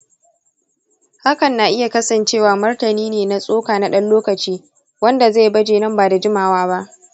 hakan na iya kasancewa martani ne na tsoka na ɗan lokaci, wanda zai bace nan ba da jimawa ba.